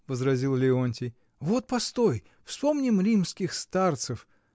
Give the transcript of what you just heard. — возразил Леонтий, — вот, постой, вспомним римских старцев.